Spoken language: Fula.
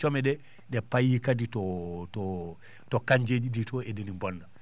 come ɗee ɗe payii kadi to to to kannjeeji ɗii ton eɗina bonna